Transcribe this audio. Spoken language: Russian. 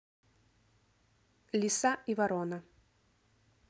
лиса и ворона